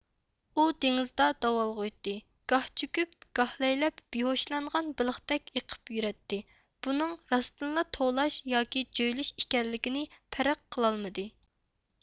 ئۇ دېڭىزدا داۋالغۇيتتى گاھ چۆكۈپ گاھ لەيلەپ بىھۇشلانغان بېلىقتەك ئېقىپ يۈرەتتى بۇنىڭ راستىنلا توۋلاش ياكى جۆيلۈش ئىكەنلىكىنى پەرق قىلالمىدى